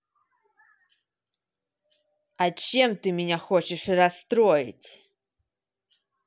а чем ты меня хочешь расстроить